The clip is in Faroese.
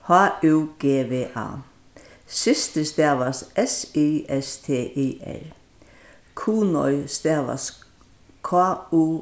h ú g v a systir stavast s i s t i r kunoy stavast k u